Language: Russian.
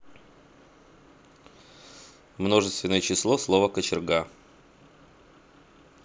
множественное число слова кочерга